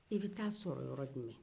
i bɛ taa a sɔrɔ yɔrɔ jumɛn